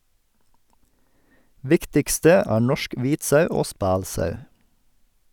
Viktigste er Norsk hvit sau og Spælsau.